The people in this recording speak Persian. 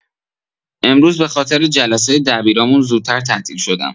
امروز به‌خاطر جلسه دبیرامون زودتر تعطیل شدم.